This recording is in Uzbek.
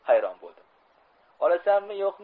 hayron bo'ldim